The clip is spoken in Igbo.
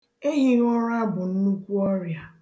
Ehighịụra bụ nnukwu ọrịa